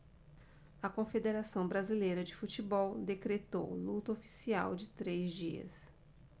a confederação brasileira de futebol decretou luto oficial de três dias